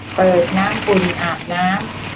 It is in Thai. เปิดน้ำอุ่นอาบน้ำ